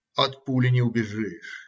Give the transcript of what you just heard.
- От пули не убежишь.